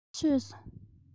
མཆོད སོང